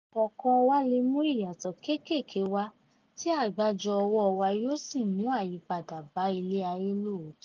Ọ̀kọ̀ọ̀kan wa lè mú ìyàtọ̀ kéékéèké wa tí àgbájọ ọwọ́ wa yóò sì mú àyípadà bá ilé ayé lóòótọ́.